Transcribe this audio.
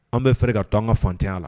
An bɛ fɛ ka to an ka fantanya la